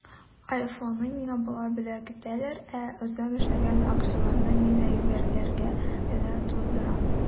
Айфонны миңа болай бүләк итәләр, ә үзем эшләгән акчаларны мин әйберләргә генә туздырам.